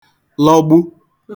lọgbu